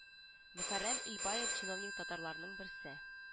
Мөхәррәм илбаев чиновник татарларның берсе